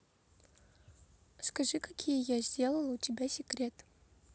скажи какие я сделал у тебя секрет